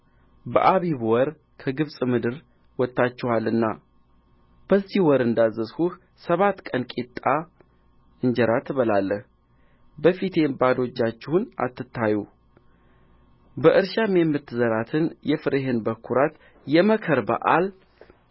በአቢብ ወር ከግብፅ ምድር ወጥታችኋልና በዚህ ወር እንዳዘዝሁህ ሰባት ቀን ቂጣ እንጀራ ትበላለህ በፊቴም ባዶ እጃችሁን አትታዩ በእርሻም የምትዘራትን የፍሬህን በኵራት የመከር በዓል